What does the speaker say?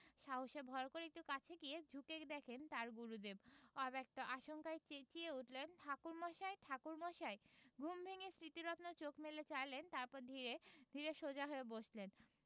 সাহসে ভর করে একটু কাছে গিয়ে ঝুঁকে দেখেন তাঁর গুরুদেব অব্যক্ত আশঙ্কায় চেঁচিয়ে উঠলেন ঠাকুরমশাই ঠাকুরমশাই ঘুম ভেঙ্গে স্মৃতিরত্ন চোখ মেলে চাইলেন তার পরে ধীরে ধীরে সোজা হয়ে বসলেন